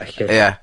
...felly. Ia.